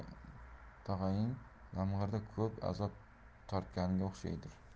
ko'p azob tortganga o'xshaydir